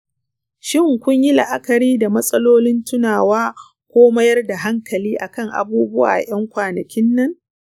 shin kun yi la'akari da matsalolin tunawa ko mayar da hankali akan abubuwan a ƴan kwanakin nan?